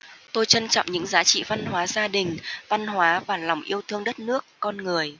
tôi trân trọng những giá trị văn hóa gia đình văn hóa và lòng yêu thương đất nước con người